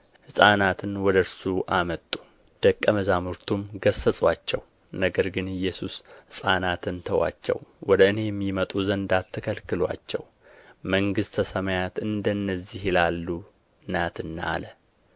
ሕፃናትን ወደ እርሱ አመጡ ደቀ መዛሙርቱም ገሠጹአቸው ነገር ግን ኢየሱስ ሕፃናትን ተዉአቸው ወደ እኔም ይመጡ ዘንድ አትከልክሉአቸው መንግሥተ ሰማያት እንደነዚህ ላሉ ናትና አለ